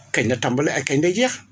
kañ la tàmbale ak kañ lay jeex